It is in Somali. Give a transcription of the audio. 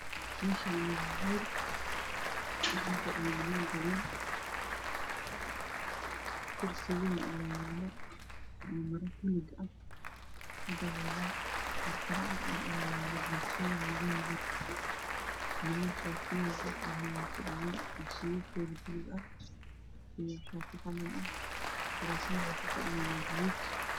Meeshaani waa hool waxaa fadhiyo niman badan kursi wayn ayaa yaalo iyo maro buluug ah ku daboolan warqado cad cad ayaa yaalo boorsooyin madowna way yaalaan wiilal shaatiyoon cad cad way fadhiyaan suudadkoodu buluug ah iyo shaati qalin ah kuraasmada ay ku fadhiyaana guduud